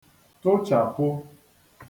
tụchàpụ